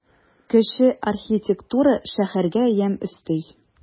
Кече архитектура шәһәргә ямь өсти.